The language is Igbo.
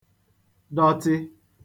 dọtị